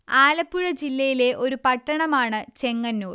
ആലപ്പുഴ ജില്ലയിലെ ഒരു പട്ടണം ആണ് ചെങ്ങന്നൂർ